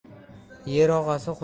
yer og'asi xudo